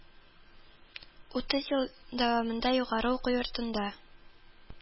Утыз ел дәвамында югары уку йортында